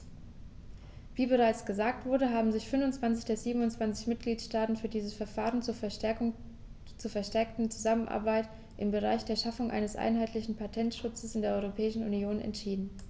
Wie bereits gesagt wurde, haben sich 25 der 27 Mitgliedstaaten für dieses Verfahren zur verstärkten Zusammenarbeit im Bereich der Schaffung eines einheitlichen Patentschutzes in der Europäischen Union entschieden.